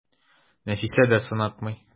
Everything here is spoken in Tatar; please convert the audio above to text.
Нәфисә дә сынатмый.